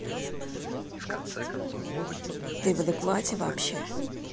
ты в адеквате вообще